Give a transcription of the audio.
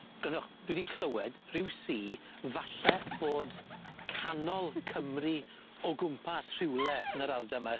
Gryndwch, dwi 'di clywed ryw si falle bod canol Cymru o gwmpas rhywle yn yr ardal 'my.